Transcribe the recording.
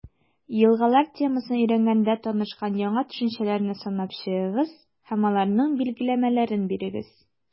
«елгалар» темасын өйрәнгәндә танышкан яңа төшенчәләрне санап чыгыгыз һәм аларның билгеләмәләрен бирегез.